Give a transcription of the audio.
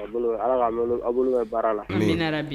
A bolo, Allah k'a bolo mɛn baara la